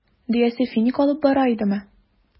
Дөясе финик алып бара идеме?